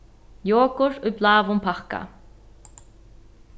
jogurt í bláum pakka